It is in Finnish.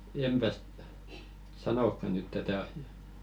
enpäs sanokaan nyt tätä asiaa